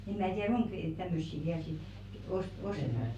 en minä tiedä onko tämmöisiä vielä sitten - ostetaanko